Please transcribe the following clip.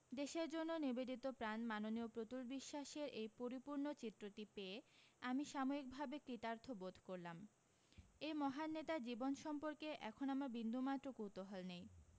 দেশের জন্য নিবেদিত প্রাণ মাননীয় প্রতুল বিশ্বাসের এই পরিপূরণ চিত্রটি পেয়ে আমি সাময়িকভাবে কৃতার্থ বোধ করলাম এই মহান নেতার জীবন সম্পর্কে এখন আমার বিন্দুমাত্র কুতূহল নেই